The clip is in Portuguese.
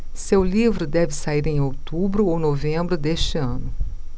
seu livro deve sair em outubro ou novembro deste ano